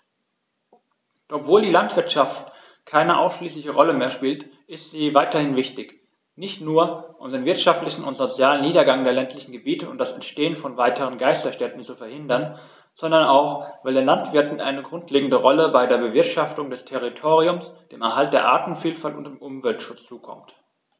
Doch obwohl die Landwirtschaft keine ausschließliche Rolle mehr spielt, ist sie weiterhin wichtig, nicht nur, um den wirtschaftlichen und sozialen Niedergang der ländlichen Gebiete und das Entstehen von weiteren Geisterstädten zu verhindern, sondern auch, weil den Landwirten eine grundlegende Rolle bei der Bewirtschaftung des Territoriums, dem Erhalt der Artenvielfalt und dem Umweltschutz zukommt.